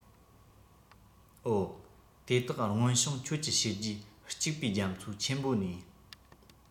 འོ དེ དག སྔོན བྱུང ཁྱོད ཀྱི བྱས རྗེས སྐྱུག པའི རྒྱ མཚོ ཆེན པོ ནས